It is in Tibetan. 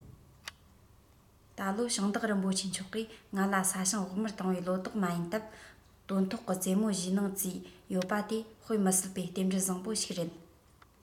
ད ལོ ཞིང བདག རིན པོ ཆེ མཆོག གི ང ལ ས ཞིང བོགས མར བཏང བའི ལོ ཏོག མ ཡིན སྟབས སྟོན ཐོག གི ཙེ མོ བཞེས གནང ཙིས ཡོད པ དེ དཔེ མི སྲིད པའི རྟེན འབྲེལ བཟང པོ ཞིག རེད